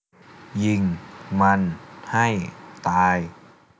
ยิงมันให้ตาย